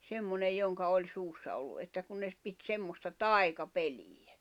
semmoinen jonka oli suussa ollut että kun ne - piti semmoista taikapeliä